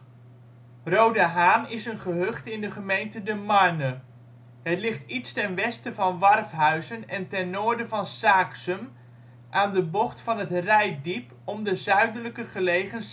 Gronings: Roohoan) is een gehucht in de gemeente De Marne. Het ligt iets ten westen van Warfhuizen en ten noorden van Saaksum aan de bocht van de Reitdiep om de zuidelijker gelegen